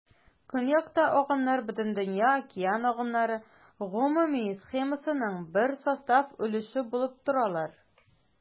Көньякта агымнар Бөтендөнья океан агымнары гомуми схемасының бер состав өлеше булып торалар.